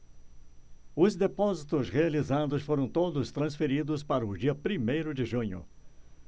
os depósitos realizados foram todos transferidos para o dia primeiro de junho